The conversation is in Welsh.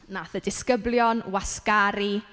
Wnaeth y disgyblion wasgaru.